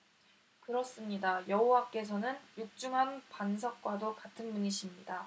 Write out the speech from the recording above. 그렇습니다 여호와께서는 육중한 반석과도 같은 분이십니다